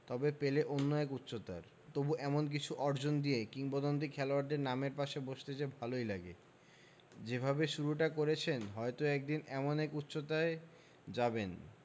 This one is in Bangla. তবে পেলে অন্য এক উচ্চতার তবু এমন কিছু অর্জন দিয়ে কিংবদন্তি খেলোয়াড়দের নামের পাশে বসতে তো ভালোই লাগে যেভাবে শুরুটা করেছেন হয়তো একদিন এমন এক উচ্চতায় যাবেন